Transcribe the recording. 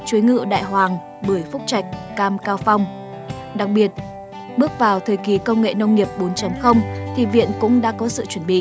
chuối ngự đại hoàng bưởi phúc trạch cam cao phong đặc biệt bước vào thời kỳ công nghệ nông nghiệp bốn chấm không thì viện cũng đã có sự chuẩn bị